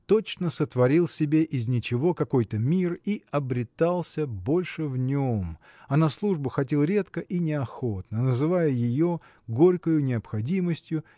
точно сотворил себе из ничего какой-то мир и обретался больше в нем а на службу ходил редко и неохотно называя ее горькою необходимостью